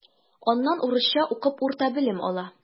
Аннан урысча укып урта белем ала.